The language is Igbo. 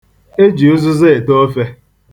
E ji ụzụza ete ofe.